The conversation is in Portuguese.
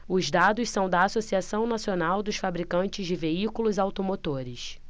os dados são da anfavea associação nacional dos fabricantes de veículos automotores